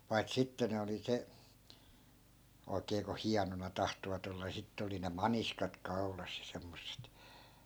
paita sitten ne oli se oikein kun hienona tahtoivat olla niin sitten oli ne maniskat kaulassa ja semmoiset